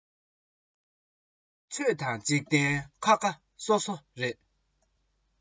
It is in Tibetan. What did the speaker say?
ཆོས དང འཇིག རྟེན ཁག ཁག སོ སོ རེད